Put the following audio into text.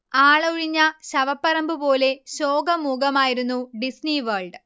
ആളൊഴിഞ്ഞ ശവപ്പറമ്പ് പോലെ ശോകമൂകമായിരുന്നു ഡിസ്നി വേൾഡ്